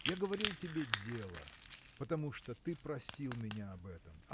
Я говорил тебе дело, потому что ты просил меня об этом